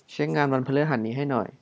เช็คงานวันพฤหัสนี้ให้หน่อย